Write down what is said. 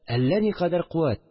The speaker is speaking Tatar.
Әллә никадәр куәт